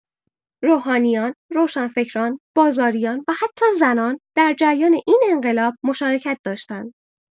روحانیان، روشنفکران، بازاریان و حتی زنان در جریان این انقلاب مشارکت داشتند.